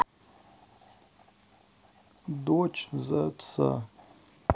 дочь за отца